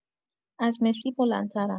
از مسی بلندترم